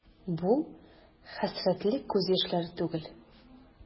Бу хәсрәтле күз яшьләре түгел.